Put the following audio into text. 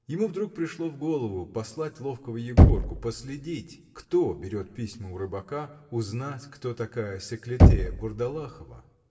Ему вдруг пришло в голову — послать ловкого Егорку последить, кто берет письма у рыбака, узнать, кто такая Секлетея Бурдалахова.